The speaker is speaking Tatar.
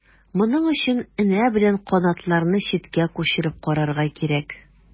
Моның өчен энә белән канатларны читкә күчереп карарга кирәк.